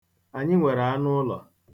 Anyị nwere anụụlọ.